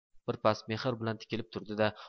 bir pas mehr bilan tikilib turdi da